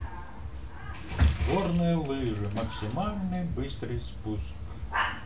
горные лыжи максимальный быстрый спуск